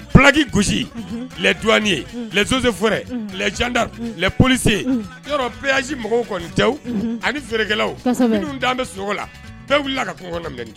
Fulaki gosi lad ye jsen fɛrɛ lacda olise yɔrɔ bɛsi mɔgɔw kɔni tɛ ani feereerekɛlaw minnu dalen bɛ sogoɔgɔ la dɔwwu wulila la ka